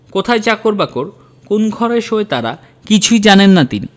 কোথায় চাকর বাকর কোন্ ঘরে শোয় তারা কিছুই জানেন না তিনি